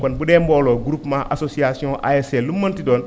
kon bu dee mbooloo groupement association ASC lu mu mënti doon